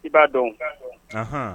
I b'a dɔn